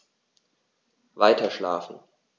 Weiterschlafen.